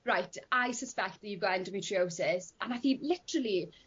reit I suspect tha' you've got endometriosis a nath hi literally